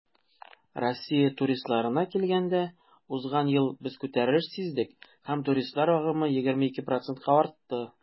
Россия туристларына килгәндә, узган ел без күтәрелеш сиздек һәм туристлар агымы 22 %-ка артты.